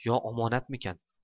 yo omonatmikan